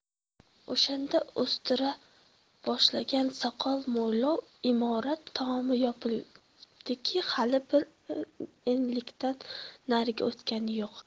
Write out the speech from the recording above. o'shanda o'stira boshlagan soqol mo'ylab imorat tomi yopilibdiki hali bir enlikdan nariga o'tgani yo'q